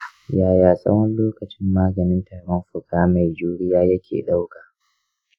yaya tsawon lokacin maganin tarin fuka mai juriya yake ɗauka?